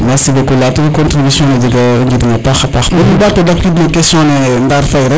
merci beaucoup Latir contribution ne jego o njiriñ a paxa paxa paax im ɓato dakwiid rek no question ne Ndar Faye rek